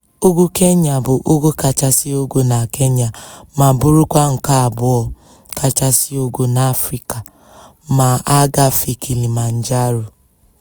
Ugwu Kenya bụ ugwu kachasị ogo na Kenya ma bụrụkwa nke abụọ kachasị ogo n'Afrịka, ma a gafee Kilimanjaro.